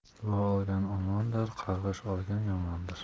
duo olgan omondir qarg'ish olgan yomondir